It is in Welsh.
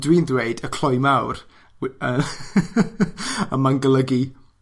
dwi'n dweud y cloi mawr whi yy a mae'n golygu